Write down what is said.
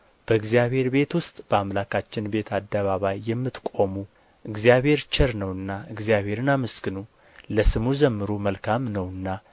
በእግዚአብሔር ቤት ውስጥ በአምላካችን ቤት አደባባይ የምትቆሙ እግዚአብሔር ቸር ነውና እግዚአብሔርን አመስግኑ ለስሙ ዘምሩ መልካም ነውና